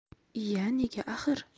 iya nega axir